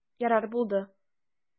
Ярар, булды.